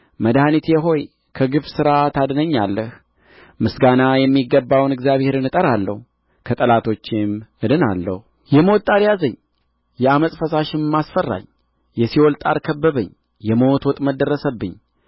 መድኃኒቴ ሆይ ከግፍ ሥራ ታድነኛለህ ምስጋና የሚገባውን እግዚአብሔርን እጠራለሁ ከጠላቶቼም እድናለሁ የሞት ጣር ያዘኝ የዓመፅ ፈሳሽም አስፈራኝ የሲኦል ጣር ከበበኝ የሞት ወጥመድ ደረሰብኝ